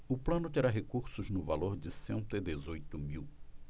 o plano terá recursos no valor de cento e dezoito mil